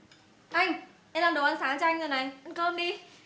anh em làm đồ ăn sáng cho anh rồi này ăn cơm đi